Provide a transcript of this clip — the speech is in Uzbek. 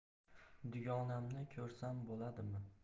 dugonamni ko'rsam bo'ladimi